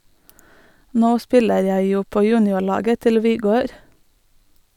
- Nå spiller jeg jo på juniorlaget til Vigør.